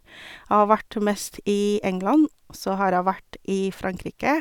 Jeg har vært mest i England, og så har jeg vært i Frankrike.